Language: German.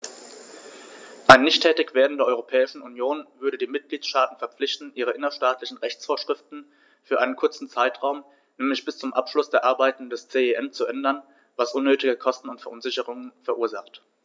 Ein Nichttätigwerden der Europäischen Union würde die Mitgliedstaten verpflichten, ihre innerstaatlichen Rechtsvorschriften für einen kurzen Zeitraum, nämlich bis zum Abschluss der Arbeiten des CEN, zu ändern, was unnötige Kosten und Verunsicherungen verursacht.